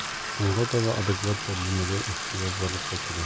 Соңга таба адекват тәрҗемәгә ихҗыяҗ барлыкка килә.